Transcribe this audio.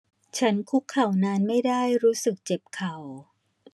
ฉันคุกเข่านานไม่ได้รู้สึกเจ็บเข่า